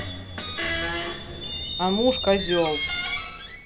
а муж козел